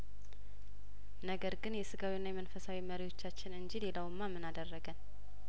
ነገር ግን የስጋዊና የመንፈሳዊ መሪዎቻችን እንጂ ሌላው ማምን አደረገን